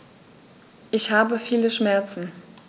Ich habe viele Schmerzen.